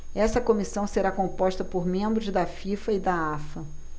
essa comissão será composta por membros da fifa e da afa